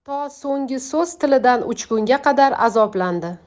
to so'nggi so'z tilidan uchgunga qadar azoblandi